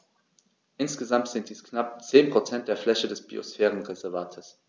Insgesamt sind dies knapp 10 % der Fläche des Biosphärenreservates.